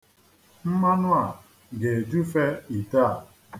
Mmanụ a ga-ejufe ite a.